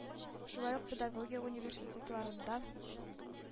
Шулай ук педагогия университетларында